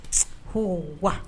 Ɔɔ wa